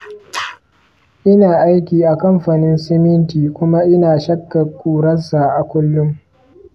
ina aiki a kamfanin siminti kuma ina shaƙar ƙurarsa a kullum